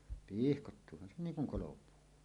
pihkoittuuhan se niin kuin kolopuu